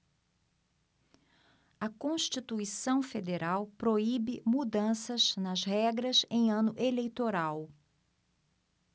a constituição federal proíbe mudanças nas regras em ano eleitoral